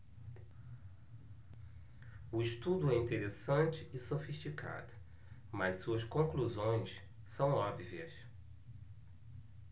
o estudo é interessante e sofisticado mas suas conclusões são óbvias